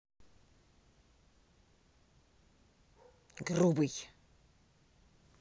грубый